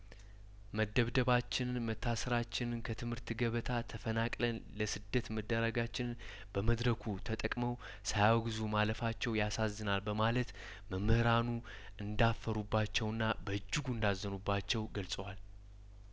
መ ደብደባችንን መታሰራችንን ከትምህርት ገበታ ተፈናቅለን ለስደት መዳረጋችንን በመድረኩ ተጠቅመው ሳያወግዙ ማለፋቸው ያሳዝናል በማለት መምህራኑ እንዳፈሩባቸውና በእጅጉ እንዳ ዘኑባቸው ገልጿል